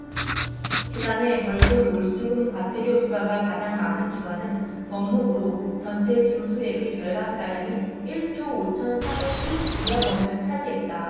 지난해 벌금 몰수금 과태료 부과가 가장 많은 기관은 법무부로 전체 징수액의 절반가량인 일 조 오천 사백 칠십 이 억원을 차지했다